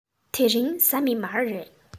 དེ རིང གཟའ མིག དམར རེད